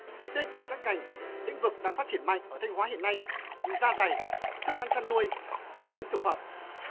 bên cạnh các ngành lĩnh vực đang phát triển mạnh ở thanh hóa hiện nay da giày thức ăn chăn nuôi chế biến thực phẩm